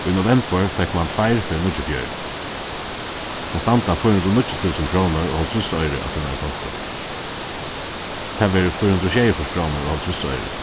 í novembur fekk mann tveir fyri níggjuogfjøruti tað standa fýra hundrað og níggju túsund krónur og hálvtrýss oyru á tínari kontu tað verður fýra hundrað og sjeyogfýrs krónur og hálvtrýss oyru